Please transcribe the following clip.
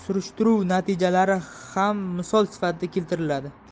surishtiruv natijalari ham misol sifatida keltiriladi